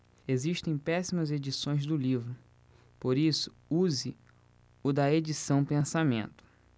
existem péssimas edições do livro por isso use o da edição pensamento